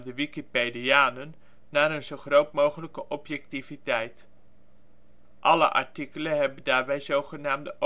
Wikipedianen naar een zo groot mogelijke objectiviteit. Alle artikelen hebben daarbij zogenaamde